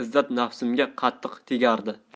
izzat nafsimga qattiq tegardi